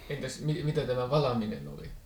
entäs mitä tämä valaminen oli